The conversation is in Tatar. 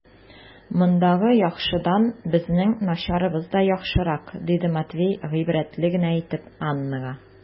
Мондагы яхшыдан безнең начарыбыз да яхшырак, - диде Матвей гыйбрәтле генә итеп Аннага.